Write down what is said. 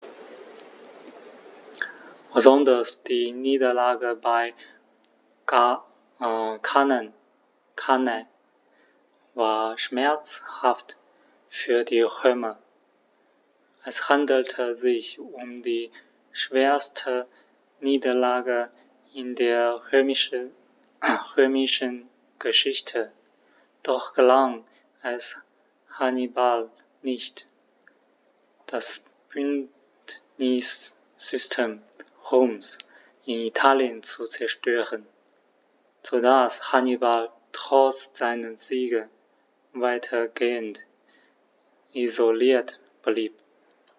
Besonders die Niederlage bei Cannae war schmerzhaft für die Römer: Es handelte sich um die schwerste Niederlage in der römischen Geschichte, doch gelang es Hannibal nicht, das Bündnissystem Roms in Italien zu zerstören, sodass Hannibal trotz seiner Siege weitgehend isoliert blieb.